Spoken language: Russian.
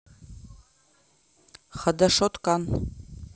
хадашот кан